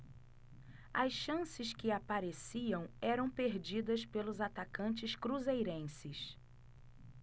as chances que apareciam eram perdidas pelos atacantes cruzeirenses